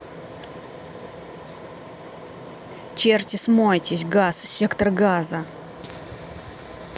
черти смойтесь газ сектор газа